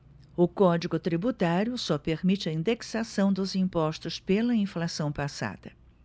o código tributário só permite a indexação dos impostos pela inflação passada